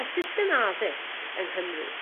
Y system addysg yng Nghymru.